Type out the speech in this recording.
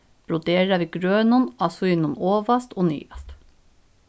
brodera við grønum á síðunum ovast og niðast